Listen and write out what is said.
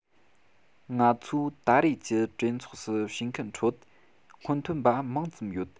ང ཚོའི ད རེས ཀྱི གྲོས ཚོགས སུ ཞུགས མཁན ནང སྔོན ཐོན པ མང ཙམ ཡོད